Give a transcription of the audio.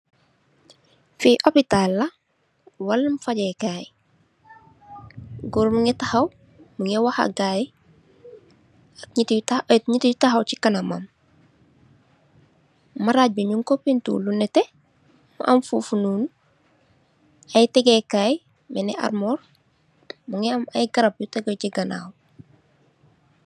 Fii opitaal la, waalum faggé kaay, goor mu ngi taxaw, mu ngee wax ak gaayi, nit yi taxaw si kanamam, maraaj bi ñung ko peentir peentir bu nétté am foofu noon ay tegge kaay, melni almoor, mu am ay garab yu teggee si ganaawam.